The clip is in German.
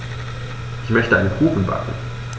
Ich möchte einen Kuchen backen.